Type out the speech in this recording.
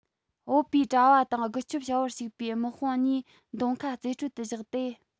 བོད པའི གྲྭ པ དང རྒུད སྐྱོབ བྱ བར ཞུགས པའི དཔོན དམག གཉིས མདུང ཁ རྩེ སྤྲོད དུ བཞག ཏེ